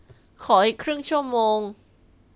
ขออีกครึ่งชั่วโมง